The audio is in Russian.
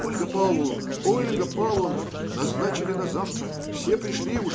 - Ольга Павловна, Ольга Павловна, назначили на завтра! Все пришли!